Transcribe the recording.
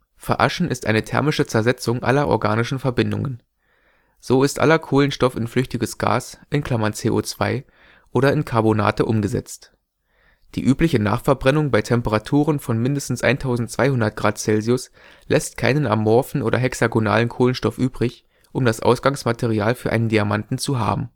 Veraschen ist eine thermische Zersetzung aller organischen Verbindungen. So ist aller Kohlenstoff in flüchtiges Gas (CO2) oder in Karbonate umgesetzt. Die übliche Nachverbrennung bei Temperaturen von mindestens 1200 °C lässt keinen amorphen oder hexagonalen Kohlenstoff übrig, um das Ausgangsmaterial für einen Diamanten zu haben